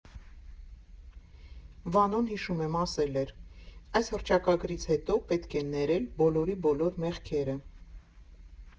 Վանոն, հիշում եմ, ասել էր՝ այս հռչակագրից հետո պետք է ներել բոլորի բոլոր մեղքերը։